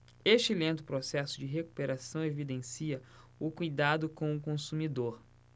este lento processo de recuperação evidencia o cuidado com o consumidor